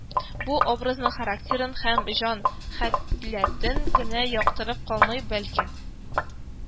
Бу образның характерын һәм җан халәтен генә яктыртып калмый, бәлки